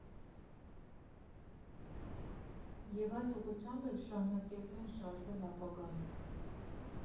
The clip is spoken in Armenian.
Եվ այդ ուղղությամբ էլ շարունակելու են շարժվել ապագայում.